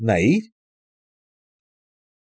Նայի՛ր։